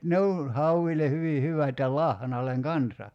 ne on hauille hyvin hyvät ja lahnalle kanssa